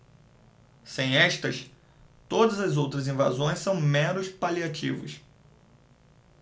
sem estas todas as outras invasões são meros paliativos